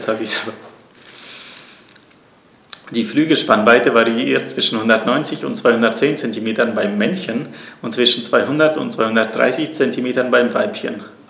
Die Flügelspannweite variiert zwischen 190 und 210 cm beim Männchen und zwischen 200 und 230 cm beim Weibchen.